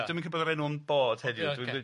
Ond dwi'm yn gwbod bod yr enw'n bod heddiw dwi ddi-